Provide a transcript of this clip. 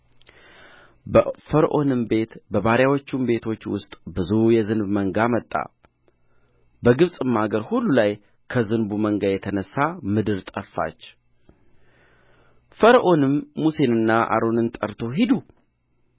በፈርዖንም ቤት በባሪያዎቹም ቤቶች ውስጥ ብዙ የዝንብ መንጋ መጣ በግብፅም አገር ሁሉ ላይ ከዝንቡ መንጋ የተነሣ ምድር ጠፋች ፈርዖንም ሙሴንና አሮንን ጠርቶ ሂዱ